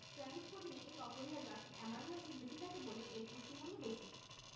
প্রাণিজ প্রোটিনে এই অপরিহার্য আটটি অ্যামাইনো এসিড বেশি থাকে বলে এর পুষ্টিমূল্য বেশি